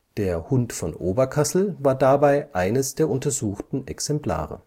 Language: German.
Der Hund von Oberkassel war dabei eines der untersuchten Exemplare